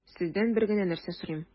Сездән бер генә нәрсә сорыйм: